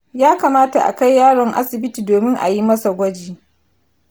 ya kamata a kai yaron asibiti domin a yi masa gwaji.